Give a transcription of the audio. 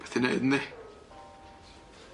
Peth i neud yndi?